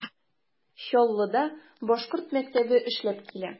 Чаллыда башкорт мәктәбе эшләп килә.